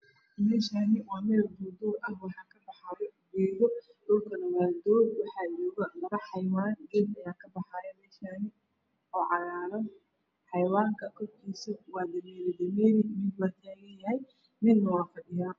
Meeshaan waa meel duurduur ah waxaa kabaxaayo geedo. Dhulkana waa doog waxaa joogo labo xayawaan geed ayaa kabaxaayo meeshaan oo cagaaran. Xayawaanka mid waa taagan yahay midna waa fadhiyaa.